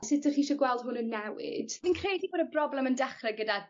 sut 'dych chi isio gweld hwn yn newid? Fi'n credu bod y broblem yn dechre gyda